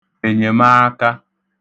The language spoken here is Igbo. ènyèmaaka